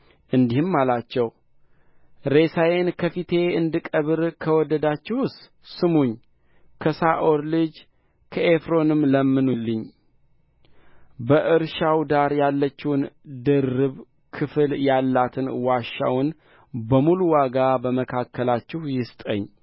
እንዲህም አላቸው ሬሳዬን ከፊቴ እንድቀብር ከወደዳችሁስ ስሙኝ ከሰዓር ልጅ ከኤፍሮንም ለምኑልኝ በእርሻው ዳር ያለችውን ድርብ ክፍል ያላትን ዋሻውን በሙሉ ዋጋ በመካከላችሁ ይስጠኝ